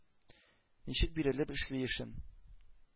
Ничек бирелеп эшли эшен...